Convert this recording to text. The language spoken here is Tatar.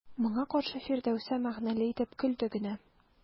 Моңа каршы Фирдәүсә мәгънәле итеп көлде генә.